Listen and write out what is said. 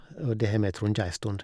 Og det har vi tronge ei stund.